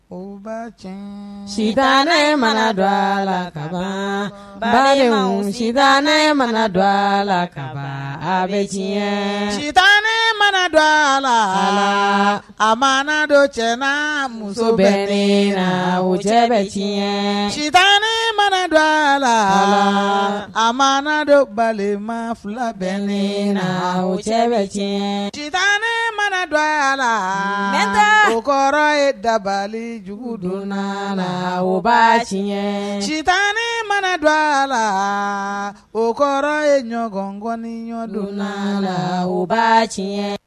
O base sita ne mana don a la taga ba sitan ne mana don a la taga bɛ diɲɛɲɛ cita ne mana don a la a ma dɔ cɛ na muso bɛ cɛ bɛɲɛ cita ne mana don a la a ma dɔbalima fila bɛ le na cɛ tiɲɛ ci tan ne mana don a la nta o kɔrɔ ye dabalijugu don la ba tiɲɛ cita ne mana don a la o kɔrɔ ye ɲɔgɔnkɔni ɲɔgɔndon la la u ba tiɲɛ